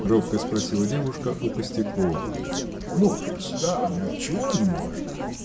– робко спросила девушка у Костякова. – Можно, сударыня, отчего неможно?